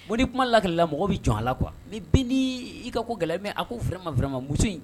Bon ni kuma lakilila mɔgɔ bɛ jɔn a la quoi mais _ bɛ ni ka ko gɛlɛya mais a ko vraiment, vraiment muso in